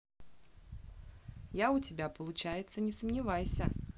я у тебя получиться не сомневайся